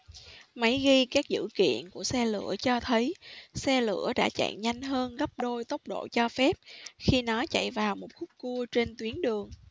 máy ghi các dữ kiện của xe lửa cho thấy xe lửa đã chạy nhanh hơn gấp đôi tốc độ cho phép khi nó chạy vào một khúc cua trên tuyến đường